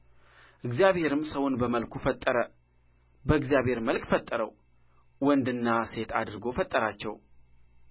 እግዚአብሔርም ሰውን በመልኩ ፈጠረ በእግዚአብሔር መልክ ፈጠረው ወንድና ሴት አድርጎ ፈጠራቸው